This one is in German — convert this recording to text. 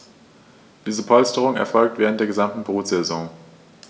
Diese Polsterung erfolgt während der gesamten Brutsaison.